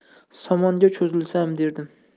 somonga cho'zilsam derdim